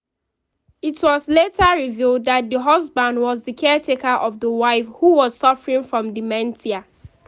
It was later revealed that the husband was the caretaker of the wife, who was suffering from dementia.